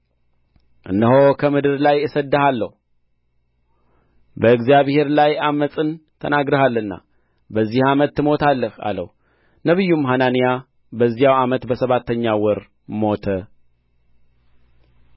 እነሆ ከምድር ላይ እሰድድሃለሁ በእግዚአብሔር ላይ ዓመፅን ተናግረሃልና በዚህ ዓመት ትሞታለህ አለው ነቢዩም ሐናንያ በዚያው ዓመት በሰባተኛው ወር ሞተ